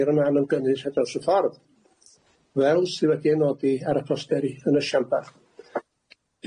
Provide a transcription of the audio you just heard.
i'r man ymgynnull dros y ffordd, fel sy wedi'i nodi ar y posteri yn y siambar.